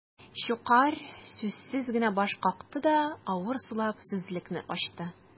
Щукарь сүзсез генә баш какты да, авыр сулап сүзлекне ачты.